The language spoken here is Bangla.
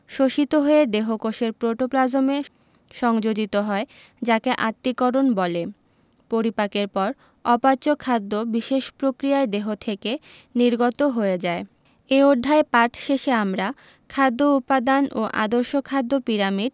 শোষিত হয়ে দেহকোষের প্রোটোপ্লাজমে সংযোজিত হয় যাকে আত্তীকরণ বলে পরিপাকের পর অপাচ্য খাদ্য বিশেষ প্রক্রিয়ায় দেহ থেকে নির্গত হয়ে যায় এ অধ্যায় পাঠ শেষে আমরা খাদ্য উপাদান ও আদর্শ খাদ্য পিরামিড